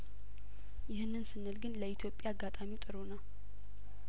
ይህንን ስንል ግን ለኢትዮጵያ አጋጣሚው ጥሩ ነው